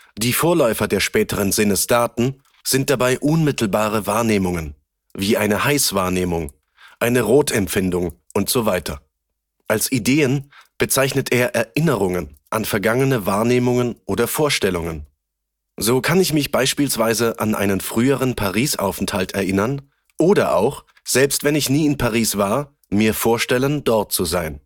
die Vorläufer der späteren „ Sinnesdaten “(sense-data) sind dabei unmittelbare Wahrnehmungen, wie eine Heiß-Wahrnehmung, eine Rot-Empfindung usw. Als Ideen bezeichnet er Erinnerungen an vergangene Wahrnehmungen oder Vorstellungen. So kann ich mich beispielsweise an einen früheren Paris-Aufenthalt erinnern, oder auch, selbst wenn ich nie in Paris war, mir vorstellen, dort zu sein